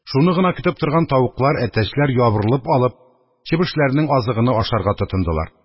Шуны гына көтеп торган тавыклар, әтәчләр ябырылып алып, чебешләрнең азыгыны ашарга тотындылар.